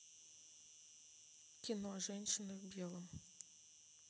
кино женщина в белом